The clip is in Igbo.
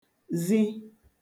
zi